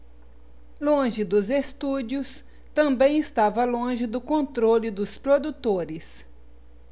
longe dos estúdios também estava longe do controle dos produtores